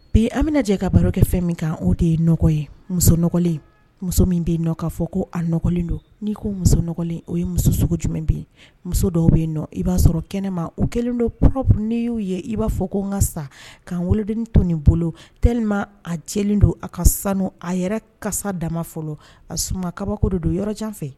Bi anjɛ ka barokɛ fɛn min kan o de ye nɔgɔya ye muso muso min bɛ nɔ k kaa fɔ ko a nɔgɔlen don n'i ko musolen o ye muso sogo jumɛn bɛ muso dɔw bɛ yen nɔ i b'a sɔrɔ kɛnɛma u kɛlen don pbu n y'u ye i b'a fɔ ko n ka sa k'an woloden tun nin bolo teelima a jɛlen don a ka sanu a yɛrɛ kasa dama fɔlɔ a su kabako de don yɔrɔ jan fɛ